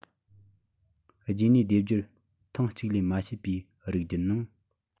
རྒྱུད གཉིས སྡེབ སྦྱོར ཐེངས གཅིག ལས མ བྱས པའི རིགས རྒྱུད ནང